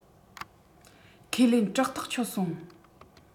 ཁས ལེན སྐྲག ཐག ཆོད སོང